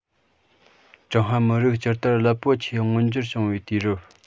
ཀྲུང ཧྭ མི རིགས བསྐྱར དར རླབས པོ ཆེ མངོན འགྱུར བྱུང བའི དུས རབས